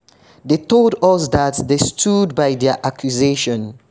They told us that they stood by their accusation.